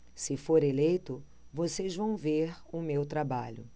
se for eleito vocês vão ver o meu trabalho